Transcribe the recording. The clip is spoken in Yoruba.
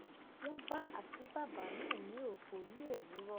Wọ́n bá àtíbàbà náà ní òfo ní òwúrọ̀.